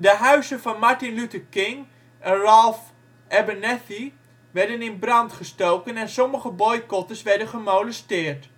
huizen van Martin Luther King en Ralph Abernathy werden in brand gestoken en sommige boycotters werden gemolesteerd